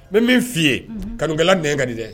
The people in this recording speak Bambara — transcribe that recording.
N bɛ min f'i ye kanukɛlala nɛ ka di dɛ